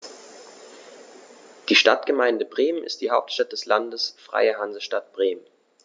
Die Stadtgemeinde Bremen ist die Hauptstadt des Landes Freie Hansestadt Bremen.